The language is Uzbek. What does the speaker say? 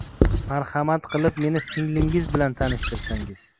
marhamat qilib meni singlinggiz bilan tanishtirsangiz